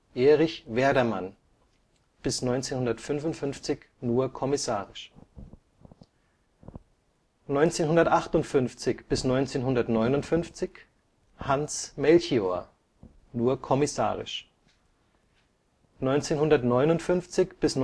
Erich Werdermann (bis 1955 kommissarisch) 1958 bis 1959: Hans Melchior (kommissarisch) 1959 bis